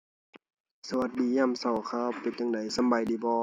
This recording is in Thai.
สวัสดียามเช้าครับ เป็นจั่งใดสำบายดีบ่